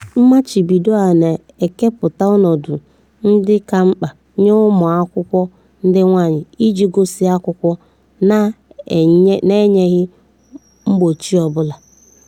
Mmachibido a na-ekeputa ọnọdụ ndị ka mma nye ụmụ akwụkwọ ndị nwaanyị iji gụsịa akwukwọ na-enweghị mgbochi ọ bula.